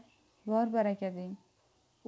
bor baraka deng